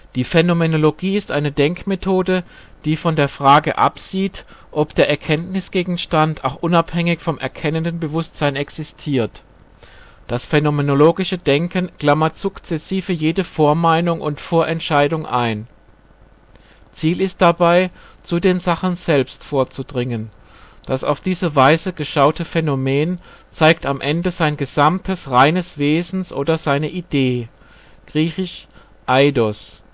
Die Phänomenologie ist eine Denkmethode, die von der Frage absieht, ob der Erkenntnisgegenstand auch unabhängig vom erkennenden Bewusstsein existiert. Das phänomenologische Denken klammert sukzessive jede Vormeinung und Vorentscheidung ein. Ziel ist dabei, " zu den Sachen selbst " vorzudringen. Das auf diese Weise geschaute Phänomen zeigt am Ende sein gesamtes reines Wesen oder seine Idee (griech. = eidos